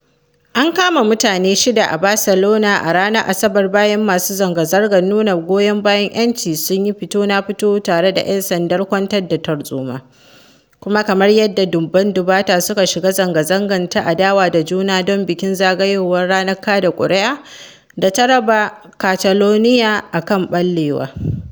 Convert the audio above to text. An kama mutane shida a Barcelona a ranar Asabar bayan masu zanga-zangar nuna goyon bayan ‘yanci sun yi fito-na-fito tare da ‘yan sandan kwantar da tarzoma, kuma kamar yadda dubun-dubata suka shiga zanga-zanga ta adawa da juna don bikin zagayowar ranar kaɗa ƙuri’a da ta raba Catalonia a kan ɓallewa.